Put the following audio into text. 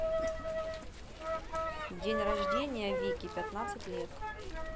день рождения вики пятнадцать лет